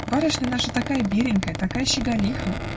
барышня наша такая беленькая, такая щеголиха!